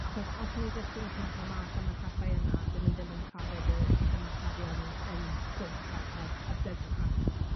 Achos os ni jyst yn cwmpo mas am y pethau yna, 'dyn ni ddim yn trafod y y materion yn dwysach a a dyfnach.